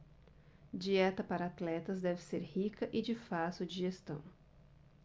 dieta para atletas deve ser rica e de fácil digestão